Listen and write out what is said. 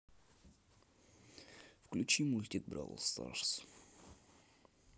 включи мультик бравл старс